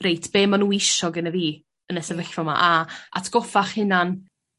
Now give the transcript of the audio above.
reit be' ma' nw isio gynnyf fi yn y sefyllfa 'ma a atgoffa'ch hunan